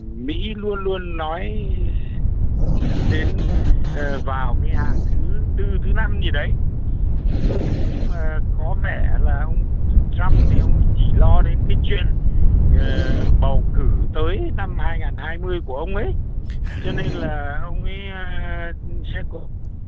mỹ luôn luôn nói đến vào cái hàng thứ tư thứ năm gì đấy mà có mẹ là ông chăm thì ông ý chỉ lo đến cái chuyện bầu cử tới năm hai ngàn hai mươi của ông ấy cho nên là ông ấy sẽ có